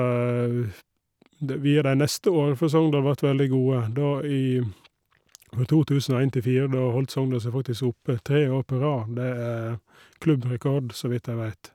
de via De neste åra for Sogndal vart veldig gode, da i fra to tusen og en til fire, da holdt Sogndal seg faktisk oppe tre år på rad, det er klubbrekord, så vidt jeg vet.